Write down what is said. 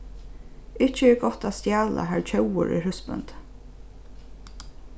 ikki er gott at stjala har tjóvur er húsbóndi